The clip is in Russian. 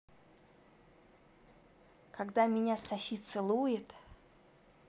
когда меня софи целуют